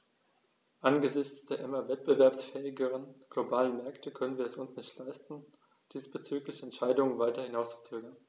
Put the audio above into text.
Angesichts der immer wettbewerbsfähigeren globalen Märkte können wir es uns nicht leisten, diesbezügliche Entscheidungen weiter hinauszuzögern.